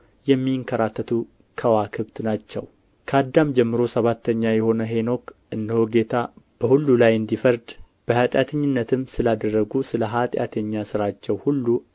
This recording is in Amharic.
የሚንከራተቱ ከዋክብት ናቸው ከአዳም ጀምሮ ሰባተኛ የሆነ ሄኖክ እነሆ ጌታ በሁሉ ላይ እንዲፈርድ በኃጢአተኝነትም ስላደረጉት ስለ ኃጢአተኛ ሥራቸው ሁሉ